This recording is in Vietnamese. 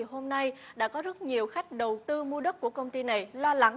thì hôm nay đã có rất nhiều khách đầu tư mua đất của công ty này lo lắng